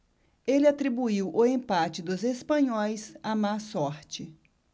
ele atribuiu o empate dos espanhóis à má sorte